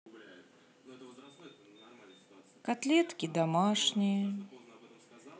котлетки домашние